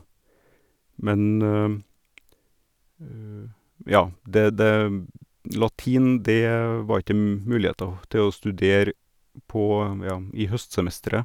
Men, ja, det det latin det var itj det m muligheter til å studere, på ja, i høstsemesteret.